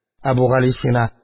Әбүгалисина: